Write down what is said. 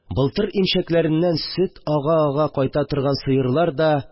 Былтыр имчәкләреннән сөт ага-ага кайта торган сыерлар да